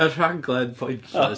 Y rhaglen Pointless.